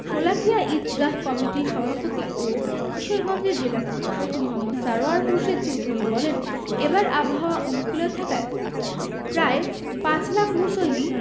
শোলাকিয়া ঈদগাহ কমিটির সভাপতি ও কিশোরগঞ্জের জেলা প্রশাসক মো. সারওয়ার মুর্শেদ চৌধুরী বলেন এবার আবহাওয়া অনুকূলে থাকায় প্রায় পাঁচ লাখ মুসল্লি